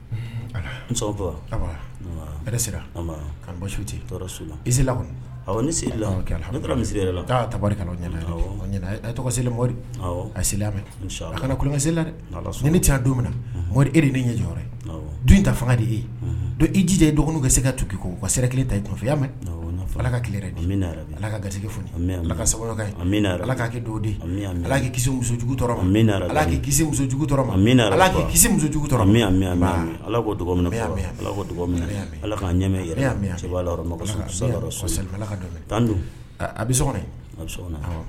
Su ni ta tɔgɔ a ne ce don min na mori e ne ɲɛ ta fanga de don jijɛ ye dɔgɔnin kɛ se ka toki ko o ka se kelen taya ka ki ala ka ga f mɛ ala min ala k' kɛ do di alakijugu alaki musojugu ala ala ala' ɲɛmɛ tan don a bɛ so